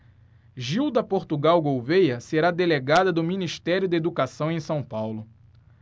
gilda portugal gouvêa será delegada do ministério da educação em são paulo